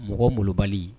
Mɔgɔ molobali